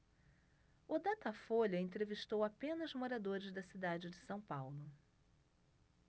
o datafolha entrevistou apenas moradores da cidade de são paulo